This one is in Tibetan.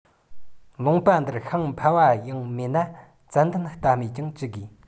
ལུང པ འདིར ཤིང ཕལ པ ཡང མེད ན ཙན དན ལྟ སྨོས ཀྱང ཅི དགོས